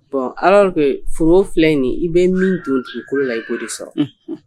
Bɔn ala kɛ foro filɛ in i bɛ min don dugukolo la iko de sɔrɔ